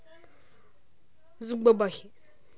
звук бабахи